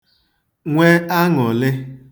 nwe aṅụ̀lị